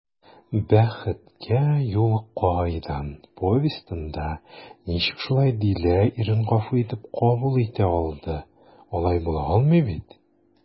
«бәхеткә юл кайдан» повестенда ничек шулай дилә ирен гафу итеп кабул итә алды, алай була алмый бит?»